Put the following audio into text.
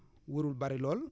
warul bari lool